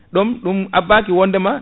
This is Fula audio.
ɗum ɗum abbaki wondema